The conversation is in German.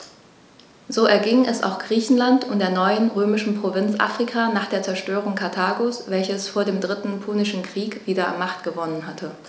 So erging es auch Griechenland und der neuen römischen Provinz Afrika nach der Zerstörung Karthagos, welches vor dem Dritten Punischen Krieg wieder an Macht gewonnen hatte.